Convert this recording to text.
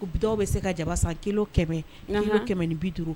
Dɔw bɛ se ka jaba san kilo 100 150